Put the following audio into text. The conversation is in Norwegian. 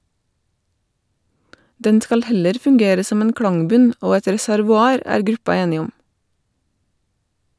Den skal heller fungere som en klangbunn, og et reservoar, er gruppa enig om.